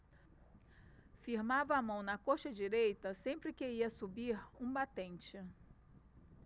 firmava a mão na coxa direita sempre que ia subir um batente